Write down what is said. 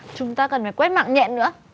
chúng ta cần phải quét mạng nhện nữa